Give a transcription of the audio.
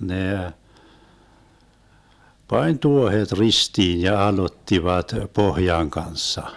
ne pani tuohet ristiin ja aloittivat pohjan kanssa